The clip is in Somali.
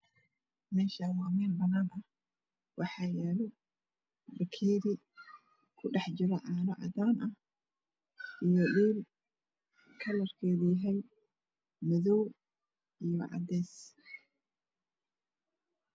Meshaan waa Mel banan ah wax yaalo bakeri ku dhex jiro caano cadan ah iyo dhiil kalarkedu yahay madoow iyo cadees